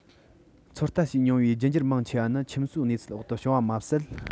ཚོད ལྟ བྱས མྱོང བའི རྒྱུད འགྱུར མང ཆེ བ ནི ཁྱིམ གསོས གནས ཚུལ འོག ཏུ བྱུང བ མ ཟད